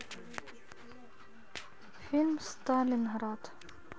фильм сталинград